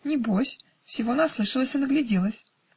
небось: всего наслышалась и нагляделась.